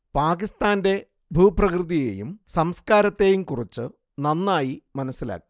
പാകിസ്താന്റെ ഭൂപ്രകൃതിയെയും സംസ്കാരത്തെയും കുറിച്ച് നന്നായി മനസ്സിലാക്കി